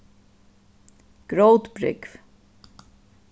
grótbrúgv